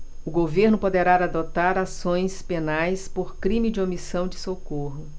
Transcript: o governo poderá adotar ações penais por crime de omissão de socorro